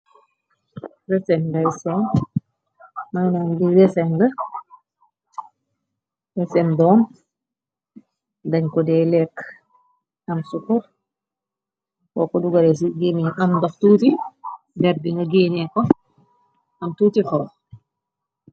Rmaynam i resen doom dañ ko dey lekk am sukor wa ko dugare géeni am dof tuuti jar di na géenee ko am tuuci xoox.